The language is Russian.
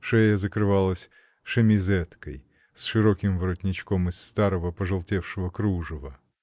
Шея закрывалась шемизеткой с широким воротничком из старого пожелтевшего кружева.